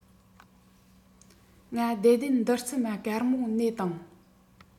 ང བདེ ལྡན བདུད རྩི མ དཀར མོ ནས དང